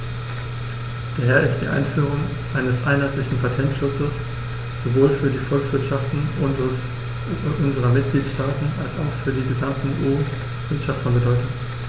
Daher ist die Einführung eines einheitlichen Patentschutzes sowohl für die Volkswirtschaften unserer Mitgliedstaaten als auch für die gesamte EU-Wirtschaft von Bedeutung.